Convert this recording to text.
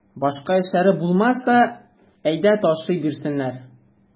Башка эшләре булмаса, әйдә ташый бирсеннәр.